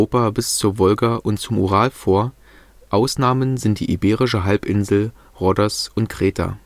bis zur Wolga und zum Ural, außer Iberische Halbinsel, Rhodos und Kreta